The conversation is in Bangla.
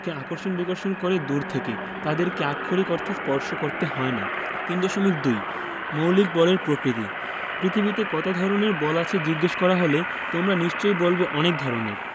আকর্ষণ বিকর্ষণ করে দূর থেকে তাদেরকে আক্ষরিক অর্থে স্পর্শ করতে হয় না 3.2 মৌলিক বলের প্রকৃতিঃ পৃথিবীতে কত ধরনের বল আছে জিজ্ঞেস করা হলে তোমরা নিশ্চয়ই বলবে অনেক ধরনের